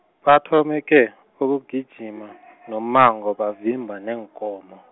bathome ke, ukugijima nommango, bavimbana neenkomo.